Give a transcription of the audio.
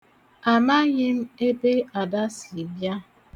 Amaghị m ebe Ada si bịa.